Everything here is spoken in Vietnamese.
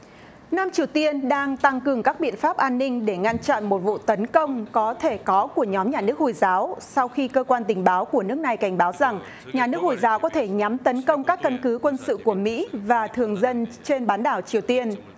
nam triều tiên đang tăng cường các biện pháp an ninh để ngăn chặn một vụ tấn công có thể có của nhóm nhà nước hồi giáo sau khi cơ quan tình báo của nước này cảnh báo rằng nhà nước hồi giáo có thể nhắm tấn công các căn cứ quân sự của mỹ và thường dân trên bán đảo triều tiên